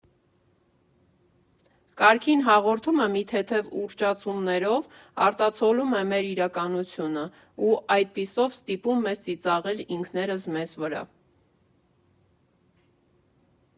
«Կարգին հաղորդումը», մի թեթև ուռճացումներով, արտացոլում էր մեր իրականությունը ու, այդպիսով, ստիպում մեզ ծիծաղել ինքներս մեզ վրա։